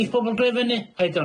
Neith bobol droi fyny? I dunno?